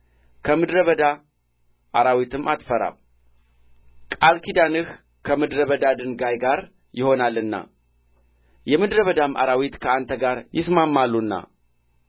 ከምድረ በዳ አራዊትም አትፈራም ቃል ኪዳንህ ከምድረ በዳ ድንጋይ ጋር ይሆናልና የምድረ በዳም አራዊት ከአንተ ጋር ይስማማሉና